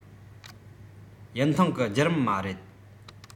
ཡུན ཐུང གི བརྒྱུད རིམ མ རེད